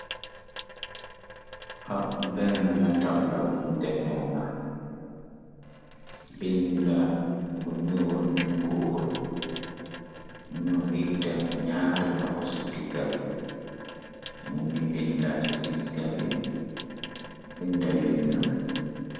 ab benn tabla bu desinna bind bu ñu mucoor ñu ngi def ñaari laxo ci digga bi ñu ngi bind ci digga bi binda yu ñuul